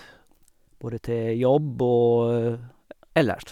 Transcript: Både til jobb og, ja, ellers.